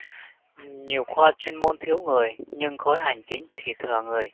nhiều khoa chuyên môn thiếu người nhưng khối hành chính thì thừa người